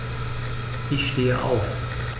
Ich stehe auf.